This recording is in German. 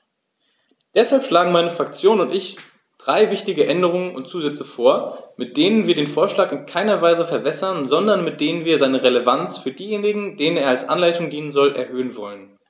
Deshalb schlagen meine Fraktion und ich drei wichtige Änderungen und Zusätze vor, mit denen wir den Vorschlag in keiner Weise verwässern, sondern mit denen wir seine Relevanz für diejenigen, denen er als Anleitung dienen soll, erhöhen wollen.